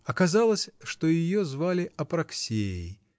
оказалось, что ее звали Апраксеей